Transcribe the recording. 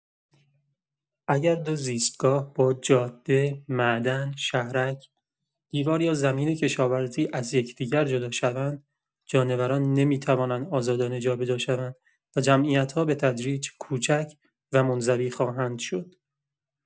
اگر دو زیستگاه با جاده، معدن، شهرک، دیوار یا زمین کشاورزی از یکدیگر جدا شوند، جانوران نمی‌توانند آزادانه جابه‌جا شوند و جمعیت‌ها به‌تدریج کوچک و منزوی خواهند شد.